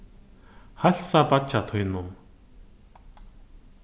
heilsa beiggja tínum